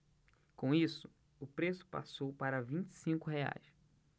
com isso o preço passou para vinte e cinco reais